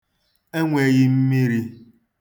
enweghi mmiri